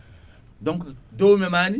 donc memani